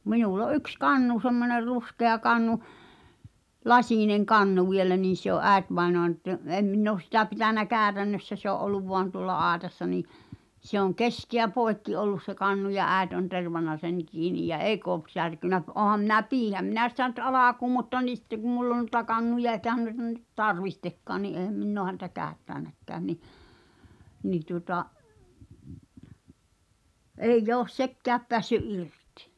minulla on yksi kannu semmoinen ruskea kannu lasinen kannu vielä niin se on äitivainajan - en minä ole sitä pitänyt käytännössä se on ollut vain tuolla aitassa niin se on keskeä poikki ollut se kannu ja äiti on tervannut sen kiinni ja eikä ole särkynyt - olenhan minä pidinhän minä sitä nyt alkuun mutta niin sitten kun minulla on noita kannuja eikä noita nyt tarvitsekaan niin enhän minä ole häntä käyttänytkään niin niin tuota ei ole sekään päässyt irti